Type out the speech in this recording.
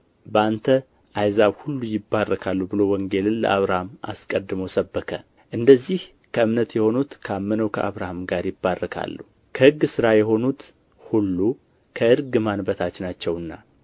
በአንተ አሕዛብ ሁሉ ይባረካሉ ብሎ ወንጌልን ለአብርሃም አስቀድሞ ሰበከ እንደዚህ ከእምነት የሆኑት ካመነው ከአብርሃም ጋር ይባረካሉ ከሕግ ሥራ የሆኑት ሁሉ በእርግማን በታች ናቸውና